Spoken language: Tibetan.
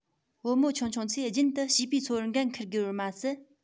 བུ མོ ཆུང ཆུང ཚོས རྒྱུན ཏུ བྱིས པའི འཚོ བར འགན ཁུར དགོས པར མ ཟད